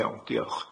Iawn diolch.